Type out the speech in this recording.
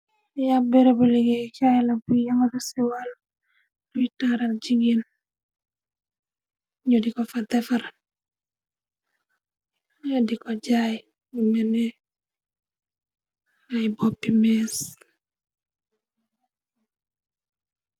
Fi ab berebu liggéey cayla bu yangta si wàll luy tarar jigeen ño di ko fa defar di ko jaay ñu menee ngay boppi mees.